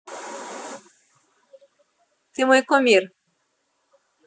ты мой кумир